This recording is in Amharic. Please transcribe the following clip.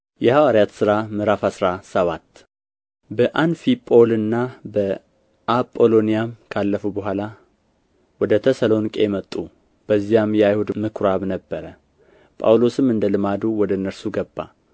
የሐዋርያት ሥራ ምዕራፍ አስራ ሰባት በአንፊጶልና በአጶሎንያም ካለፉ በኋላ ወደ ተሰሎንቄ መጡ በዚያም የአይሁድ ምኵራብ ነበረ ጳውሎስም እንደ ልማዱ ወደ እነርሱ ገባ